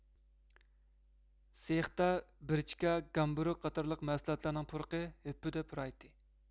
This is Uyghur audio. سېختا برىچكا گامبورك قاتارلىق مەھسۇلاتلارنىڭ پۇرىقى ھۈپپىدە پۇرايتتى